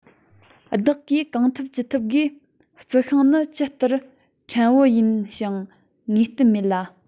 བདག གིས གང ཐུབ ཅི ཐུབ སྒོས རྩི ཤིང ནི ཇི ལྟར ཕྲན བུ ཡིན ཞིང ངེས བརྟན མེད ལ